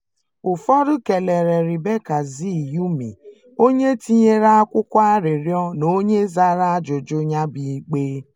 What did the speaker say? Ụfọdụ kelere Rebeca Z. Gyumi, onye tinyere akwụkwọ arịrịọ na onye zara ajụjụ na ya bụ ikpe.